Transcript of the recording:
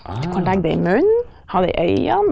du kan legge det i munnen, ha det øynene.